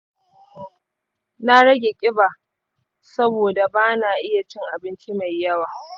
na rage ƙiba saboda ba na iya cin abinci mai yawa.